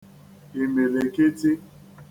ìmìlìkiti